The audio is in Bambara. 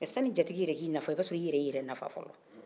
ya ni jatigi k'i nafa o b'a sɔrɔ i yɛrɛ y'i yɛrɛ nafa folo